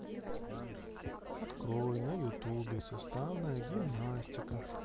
открой на ютубе суставная гимнастика